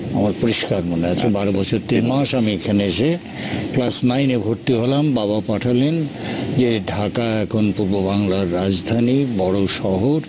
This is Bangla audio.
আচ্ছা আমার পরিষ্কার মনে আছে ১২ বছর ৩ মাস আমি এখানে এসে ক্লাস নাইনে ভর্তি হলাম বাবা পাঠালেন যে ঢাকা এখন পূর্ব বাংলার রাজধানী বড় শহর